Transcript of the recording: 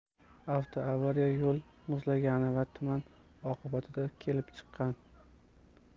avtoavariya yo'l muzlagani va tuman oqibatida kelib chiqqan